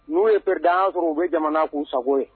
N'u ye peredkan sɔrɔ u bɛ jamana k'u sago ye